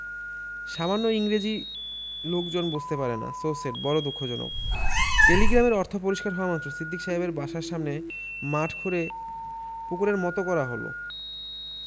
সামান্য ইংরেজী লোকজন বুঝতে পারে না সো সেড. বড়ই দুঃখজনক টেলিগ্রামের অর্থ পরিষ্কার হওয়ামাত্র সিদ্দিক সাহেবের বাসার সামনের মাঠ খুঁড়ে পুকুরের মৃত করা হল